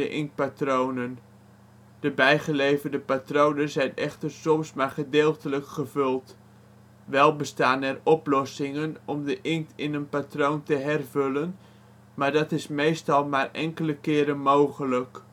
inktpatronen (de bijgeleverde patronen zijn echter soms maar gedeeltelijk gevuld). Wel bestaan er oplossingen om de inkt in een patroon te hervullen, maar dat is meestal maar enkele keren (4-12 keer) mogelijk